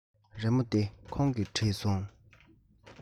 རི མོ འདི ཁོང གིས བྲིས སོང